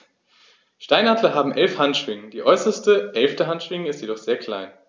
Steinadler haben 11 Handschwingen, die äußerste (11.) Handschwinge ist jedoch sehr klein.